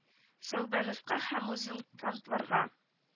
Сәү бәновка һәм музыкантларга